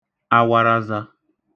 awaraza